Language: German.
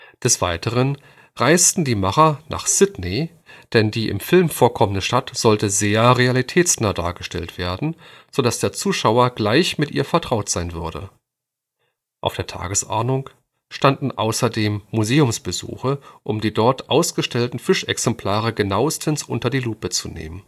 Des Weiteren reisten die Macher nach Sydney, denn die im Film vorkommende Stadt sollte sehr realitätsnah dargestellt werden, so dass der Zuschauer gleich mit ihr vertraut sein würde. Auf der Tagesordnung standen außerdem Museumsbesuche, um die dort ausgestellten Fischexemplare genauestens unter die Lupe zu nehmen